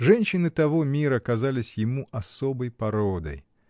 Женщины того мира казались ему особой породой.